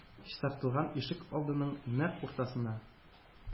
Чистартылган ишек алдының нәкъ уртасына,